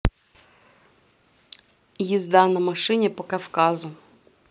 езда на машине по кавказу